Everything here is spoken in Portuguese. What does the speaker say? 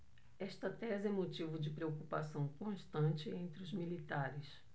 esta tese é motivo de preocupação constante entre os militares